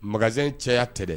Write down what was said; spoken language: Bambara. Magasin cayaya tɛ dɛ!